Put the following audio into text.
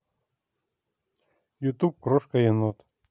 ютуб крошка енот